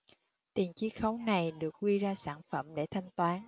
tiền chiết khấu này được quy ra sản phẩm để thanh toán